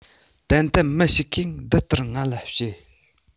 ཏན ཏན མི ཞིག གིས དེ ལྟར ང ལ བཤད